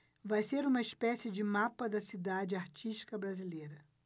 vai ser uma espécie de mapa da cidade artística brasileira